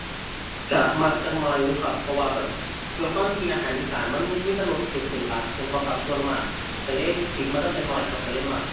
ก็มักจักหน่อยอยู่ครับ เพราะว่าแบบด้วยความที่อาหารอีสานมันมีแต่รสเผ็ดเป็นหลักแม่นบ่ครับส่วนมาก ก็เลยติดมาตั้งแต่น้อยครับ ก็เลยมัก